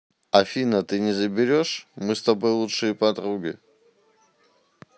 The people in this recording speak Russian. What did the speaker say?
афина ты не заберешься мы с тобой лучшие подруги